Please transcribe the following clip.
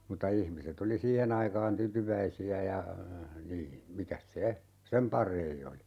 mutta ihmiset oli siihen aikaan tyytyväisiä ja niin mikäs se sen parempi oli